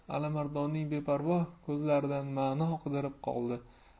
alimardonning beparvo ko'zlaridan ma'no qidirib qoldi